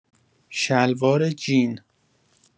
شلوار جین